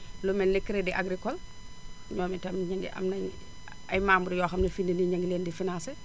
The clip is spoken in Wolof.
lu mel ne Crédit agricole ñoom itam ñu ngi am nañu ay memebres yoo xam ne fi mu ne nii ña ngi leen di financé